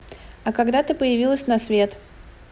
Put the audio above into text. а когда ты появилась на свет